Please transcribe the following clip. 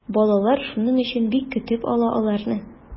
Балалар шуның өчен дә бик көтеп ала аларны.